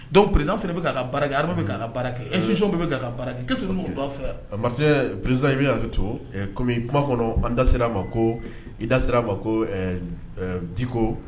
Donc président fana bɛ k'a ka baara kɛ, armée bɛ k'a ka baara kɛ, institutions bɛɛ bɛ k'a ka baara kɛ, _qu'est ce que nous on doit faire? , Matière, président i bɛ hakɛ to ɛ comme kuma kɔnɔ, an da sera ma ko, i da sera a ma ko ɛɛ Diko